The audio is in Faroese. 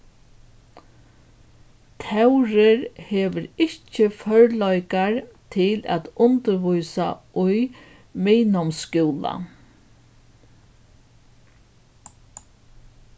tórður hevur ikki førleikar til at undirvísa í miðnámsskúla